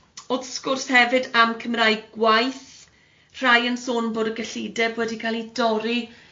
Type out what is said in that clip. o'dd sgwrs hefyd am Cymraeg gwaith, rhai yn sôn bod y gellideb wedi cael ei dorri.